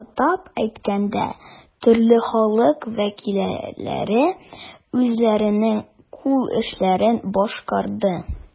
Атап әйткәндә, төрле халык вәкилләре үзләренең кул эшләрен башкарды.